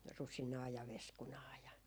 rusinaa ja veskunaa ja